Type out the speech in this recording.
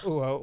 waaw